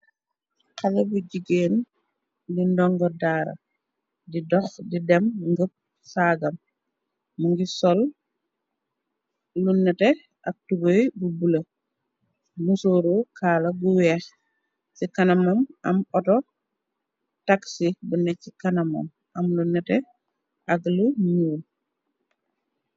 Haleh bu gigain di ndongo daara, di dokh di dem ngëp saagam, mu ngi sol lu nehteh ak tubey bu bleu, mu sooru kaala bu weex, ci kanamam am autor taxi buneh chi kanamam am lu nehteh ak lu njull.